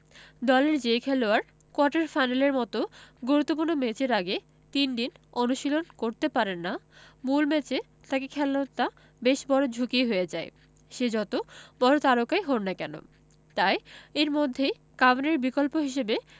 দলের যে খেলোয়াড় কোয়ার্টার ফাইনালের মতো গুরুত্বপূর্ণ ম্যাচের আগে তিন দিন অনুশীলন করতে পারেন না মূল ম্যাচে তাঁকে খেলানোটা বেশ বড় ঝুঁকিই হয়ে যায় সে যত বড় তারকাই হোন না কেন তাই এর মধ্যেই কাভানির বিকল্প হিসেবে